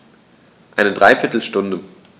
Eine dreiviertel Stunde